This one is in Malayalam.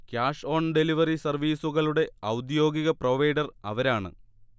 ക്യാഷ് ഓൺ ഡെലിവറി സർവ്വീസുകളുടെ ഔദ്യോഗിക പ്രൊവൈഡർ അവരാണ്